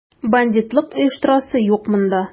Бандитлык оештырасы юк монда!